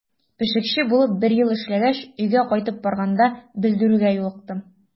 Пешекче булып бер ел эшләгәч, өйгә кайтып барганда белдерүгә юлыктым.